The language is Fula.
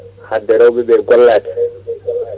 hadde rewɓeɓe gollade